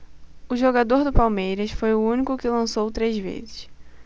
o jogador do palmeiras foi o único que lançou três vezes